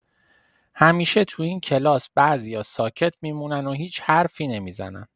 همیشه تو این کلاس بعضیا ساکت می‌مونن و هیچ حرفی نمی‌زنن.